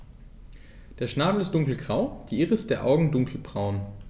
Der Schnabel ist dunkelgrau, die Iris der Augen dunkelbraun.